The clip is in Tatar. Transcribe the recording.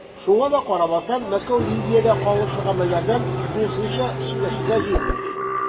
Шуңа да карамастан, Мәскәү Ливиягә кагылышлы гамәлләрдән тулысынча читләшергә җыенмый.